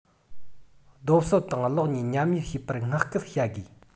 རྡོ སོལ དང གློག གཉིས མཉམ གཉེར བྱེད པར བསྔགས སྐུལ བྱ དགོས